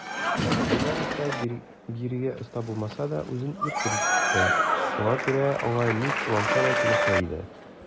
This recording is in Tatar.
Линар исә, биергә оста булмаса да, үзен иркен тотты, шуңа күрә аңа ни кыланса да килешә иде.